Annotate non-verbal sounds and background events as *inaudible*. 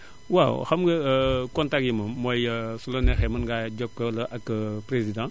*blows air* waaw xam nga *hesitation* contacts yi moom mooy *hesitation* su la neexee mën ngaa jokkoo ak *hesitation* président